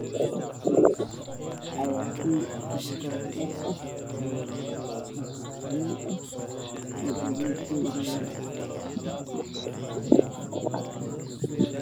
Wiilal ayaa fadhiya waxay wataan dhar cagaaran dhulka waa ciid da ayaa ka dambeeya